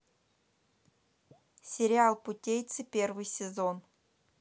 сериал путейцы первый сезон